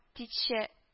Тичә